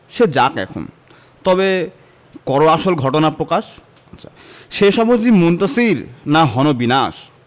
সে যাক এখন তবে করো আসল ঘটনা প্রকাশ শেষ অবধি মুনতাসীর না হন বিনাশ